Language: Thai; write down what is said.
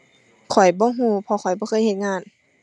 ข้อยบ่รู้เพราะข้อยบ่เคยเฮ็ดงาน